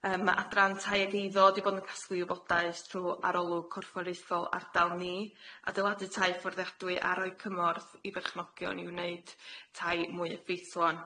Yym ma' adran tai ag eiddo di bod yn casglu wybodaeth trw arolwg corfforaethol ardal ni, adeiladu tai fforddiadwy a roi cymorth i berchnogion i wneud tai mwy effeithlon.